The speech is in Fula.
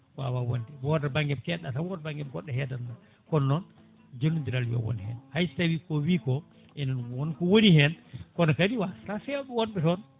wawa wonde wooda banggue keɗɗa tan wooda banggue mo goɗɗo heedanma kono noon jillodiral yo woon hen hayso tawi ko wi ko ene wonko woni hen kono kadi wasata fewɓe wonɓe toon